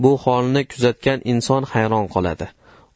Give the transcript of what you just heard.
bu holni kuzatgan inson hayron qoladi